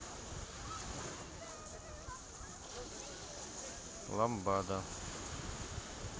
ламбада